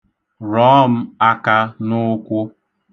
Rọọ m aka n'ụkwụ.